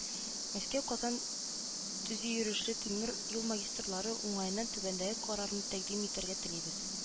“мәскәү-казан тизйөрешле тимер юл магистрале уңаеннан түбәндәге карарны тәкъдим итәргә телибез.